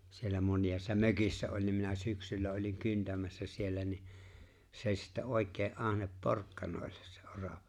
siellä monessa mökissä oli niin minä syksyllä olin kyntämässä siellä niin se oli sitten oikein ahne porkkanoille se orava